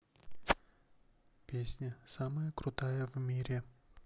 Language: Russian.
песня самая крутая в мире